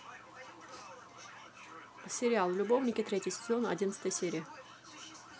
сериал любовники третий сезон одиннадцатая серия